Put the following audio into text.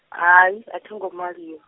ha yi a thongo ma ḽiwa.